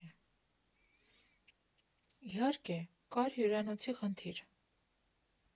Իհարկե, կար հյուրանոցի խնդիր.